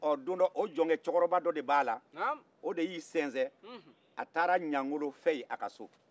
ɔ dondɔ o jɔncɛkɔrɔba do de b'a la o dɛ y'i sɛnsɛn a taara ɲangolo fɛ ye a ka so